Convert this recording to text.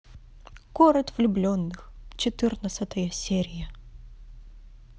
город влюбленных четырнадцатая серия